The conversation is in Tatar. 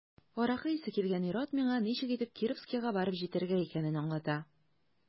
Аракы исе килгән ир-ат миңа ничек итеп Кировскига барып җитәргә икәнен аңлата.